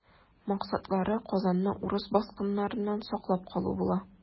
Максатлары Казанны урыс баскыннарыннан саклап калу була.